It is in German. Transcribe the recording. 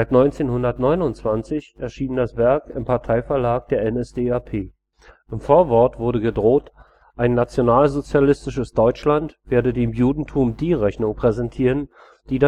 1929 erschien das Werk im Parteiverlag der NSDAP. Im Vorwort wurde gedroht, ein nationalsozialistisches Deutschland werde dem Judentum „ die Rechnung präsentieren, die